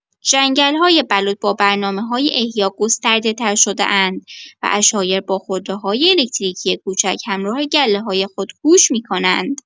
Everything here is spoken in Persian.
جنگل‌های بلوط با برنامه‌‌های احیا گسترده‌‌تر شده‌اند و عشایر با خودروهای الکتریکی کوچک همراه گله‌های خود کوچ می‌کنند.